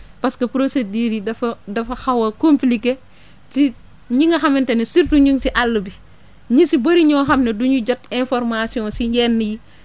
parce que procédures :fa yi dafa dafa xaw a compliquer si ñi nga xamante ne surtout ñu ngi si àll bi ñu si bëri ñoo xam ne du ñu jot information si yenn yi